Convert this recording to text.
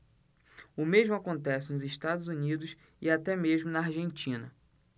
o mesmo acontece nos estados unidos e até mesmo na argentina